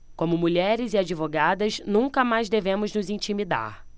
como mulheres e advogadas nunca mais devemos nos intimidar